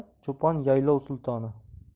cho'pon yaylov sultoni